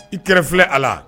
I kɛrɛ filɛ a la